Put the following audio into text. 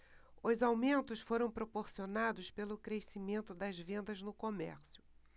os aumentos foram proporcionados pelo crescimento das vendas no comércio